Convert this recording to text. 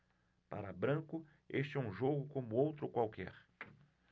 para branco este é um jogo como outro qualquer